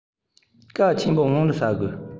ཀྭ ཆེན པོ སྔོན ལ ཟ དགོས